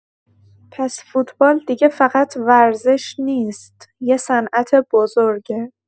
پس فوتبال دیگه فقط ورزش نیست، یه صنعت بزرگه.